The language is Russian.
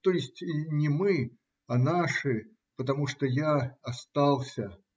То есть не мы, а наши, потому что я остался.